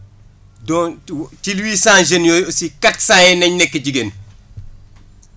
dontu ci huit cent jeunes yooyu aussi quatre cent yi nañ nekk jigéen